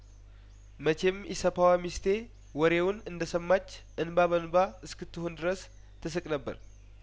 መቼም ኢሰፓዋ ሚስቴ ወሬውን እንደሰማች እንባ በእንባ እስክትሆን ድረስት ስቅ ነበር